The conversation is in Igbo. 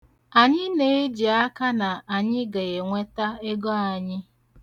Anyi na-eji aka na anyị ga-enweta ego anyị.